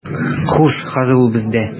Хуш, хәзер ул бездә.